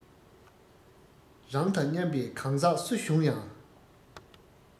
རང དང མཉམ པའི གང ཟག སུ བྱུང ཡང